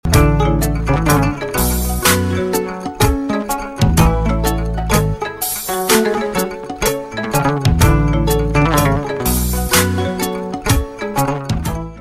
Wa